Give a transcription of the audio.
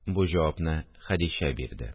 – бу җавапны хәдичә бирде